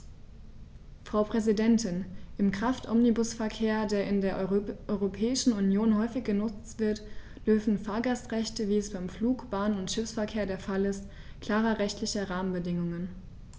Frau Präsidentin, im Kraftomnibusverkehr, der in der Europäischen Union häufig genutzt wird, bedürfen Fahrgastrechte, wie es beim Flug-, Bahn- und Schiffsverkehr der Fall ist, klarer rechtlicher Rahmenbedingungen.